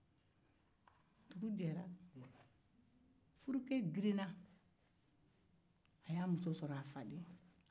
dugu jɛra furuke girinna k'a y'a muso sɔrɔ a faden ye